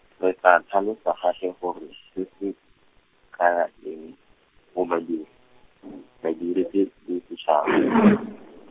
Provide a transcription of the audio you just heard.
re tla tlhalosa gape gore, se se, kaya eng, go badiri , badirisi le setšhaba.